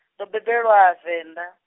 ndo bebelwa, Venḓa.